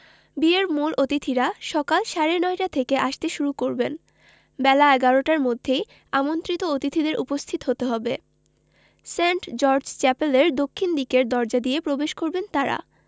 বিয়ের মূল অতিথিরা সকাল সাড়ে নয়টা থেকে আসতে শুরু করবেন বেলা ১১টার মধ্যেই আমন্ত্রিত অতিথিদের উপস্থিত হতে হবে সেন্ট জর্জ চ্যাপেলের দক্ষিণ দিকের দরজা দিয়ে প্রবেশ করবেন তাঁরা